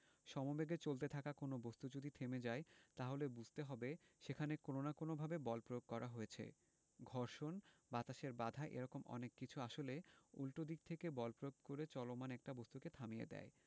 সমবেগে চলতে থাকা কোনো বস্তু যদি থেমে যায় তাহলে বুঝতে হবে সেখানে কোনো না কোনোভাবে বল প্রয়োগ করা হয়েছে ঘর্ষণ বাতাসের বাধা এ রকম অনেক কিছু আসলে উল্টো দিক থেকে বল প্রয়োগ করে চলমান একটা বস্তুকে থামিয়ে দেয়